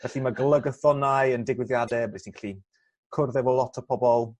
Felly ma' golygathonau yn digwyddiade ble ti'n gallu cwrdd efo lot o pobol